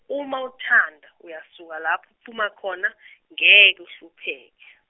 uma uthanda uyasuka lapho uphuma khona ngeke uhlupheke.